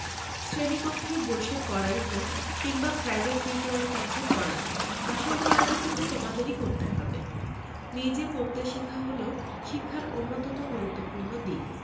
শ্রেণিকক্ষে বসে পড়াই হোক কিংবা প্রাইভেট টিউটরের কাছে পড়া আসল পড়াটা কিন্তু তোমাদেরি করতে হবে নিজে পড়তে শেখা হল শিক্ষার অন্যতম গুরুত্বপূর্ণ দিক